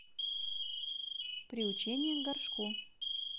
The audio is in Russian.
приучение к горшку